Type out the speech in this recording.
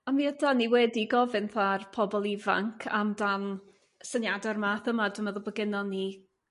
A mi ydan ni wedi gofyn 'tha'r pobl ifanc am dan syniada' o'r math yma dw' meddwl bo gennon ni